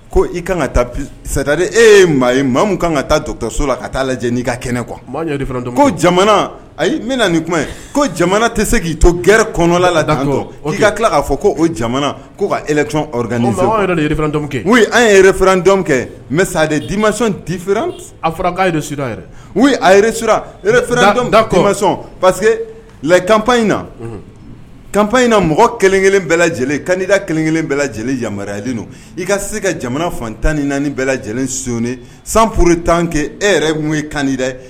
Ko i kan ka taata e ye maa ye mamu kan ka taa dɔtɔso la ka taa lajɛ n'i ka kɛnɛ kuwa ko jamana ayi n bɛna nin kuma ko jamana tɛ se k'i to gɛrɛla i ka tila k'a fɔ ko o jamana ko ka an ye yɛrɛfran dɔn kɛ mɛ sa de di masɔn difi a asɔn pa lafa inina kan inina mɔgɔ kelen kelen bɛɛ lajɛlen kanda kelen bɛɛ lajɛlen jamaruyaya i ka se ka jamana fantan ni naani bɛɛ lajɛlen sononi san furu tan kɛ e yɛrɛ ye mun ye kan yɛrɛ